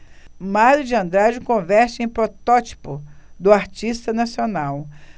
mário de andrade o converte em protótipo do artista nacional